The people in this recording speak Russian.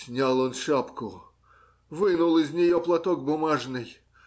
Снял он шапку, вынул из нее платок бумажный